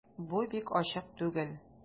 Бу бик ачык түгел...